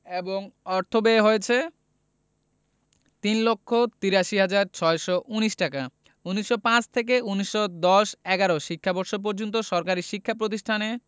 এবং অর্থব্যয় হয়েছে ৩ লক্ষ ৮৩ হাজার ৬১৯ টাকা ১৯০৫ থেকে ১৯১০ ১১ শিক্ষাবর্ষ পর্যন্ত সরকারি শিক্ষা প্রতিষ্ঠানের